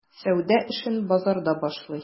Сәүдә эшен базарда башлый.